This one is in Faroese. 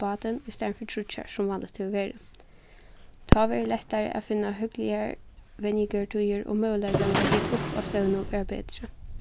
bátin í staðin fyri tríggjar sum vanligt hevur verið tá verður lættari at finna høgligar venjingartíðir og møguleikarnir at hita upp á stevnum verða betri